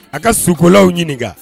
A ka sukolaw ɲininka